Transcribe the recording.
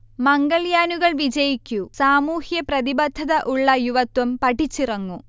മംഗൾയാനുകൾ വിജയിക്കൂ, സാമൂഹ്യ പ്രതിബദ്ധത ഉള്ള യുവത്വം പഠിച്ചിറങ്ങൂ